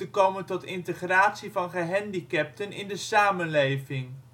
komen tot integratie van gehandicapten in de samenleving